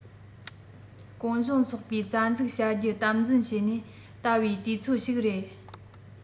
གུང གཞོན ཚོགས པའི རྩ འཛུགས བྱ རྒྱུ དམ འཛིན བྱས ནས བལྟ བའི དུས ཚོད ཞིག རེད